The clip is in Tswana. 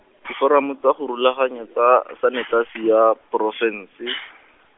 diforamo tsa go rulaganya tsa sanetasi ya porofense.